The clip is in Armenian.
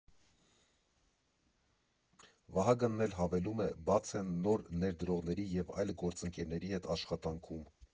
Վահագնն էլ հավելում է՝ բաց են նոր ներդրողների և այլ գործընկերների հետ աշխատանքում։